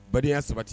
Badenya sabati